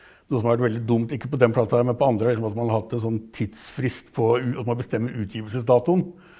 noe som hadde vært veldig dumt, ikke på den plata men på andre, er liksom at man hadde hatt en sånn tidsfrist på at man bestemmer utgivelsesdatoen.